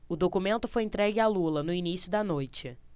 o documento foi entregue a lula no início da noite